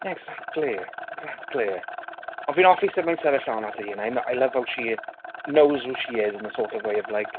Exactly, exactly. Ond fi'n hoffi sut mae'n sefyll lan at ei hun. I n- love how she, knows who she is in the sort of way of, like...